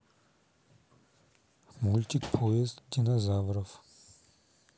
мультик поезд динозавров